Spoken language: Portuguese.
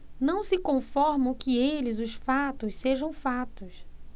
não se conformam que eles os fatos sejam fatos